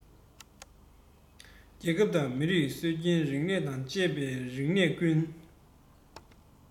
རྒྱལ ཁབ དང མི རིགས སྲོལ རྒྱུན རིག གནས དང བཅས པའི རིག གནས ཀུན